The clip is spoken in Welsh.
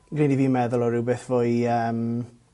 gwneud i fi meddwl o rywbeth fwy yym